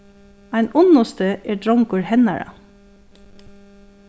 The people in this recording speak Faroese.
ein unnusti er drongur hennara